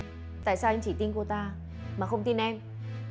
tại sao anh chỉ tin cô ta mà không tin em